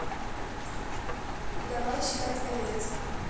давай считать овец